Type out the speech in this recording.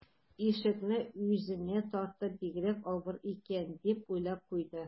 Ишекне үзенә тартып: «Бигрәк авыр икән...», - дип уйлап куйды